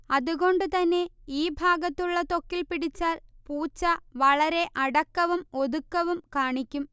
അതുകൊണ്ട് തന്നെ ഈ ഭാഗത്തുള്ള ത്വക്കിൽ പിടിച്ചാൽ പൂച്ച വളരെ അടക്കവും ഒതുക്കവും കാണിക്കും